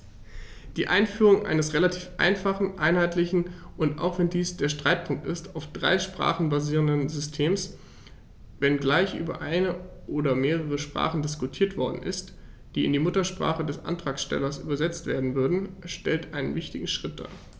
Die Einführung eines relativ einfachen, einheitlichen und - auch wenn dies der Streitpunkt ist - auf drei Sprachen basierenden Systems, wenngleich über eine oder mehrere Sprachen diskutiert worden ist, die in die Muttersprache des Antragstellers übersetzt werden würden, stellt einen wichtigen Schritt dar.